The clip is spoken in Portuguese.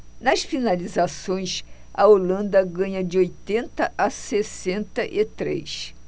nas finalizações a holanda ganha de oitenta a sessenta e três